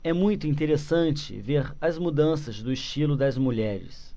é muito interessante ver as mudanças do estilo das mulheres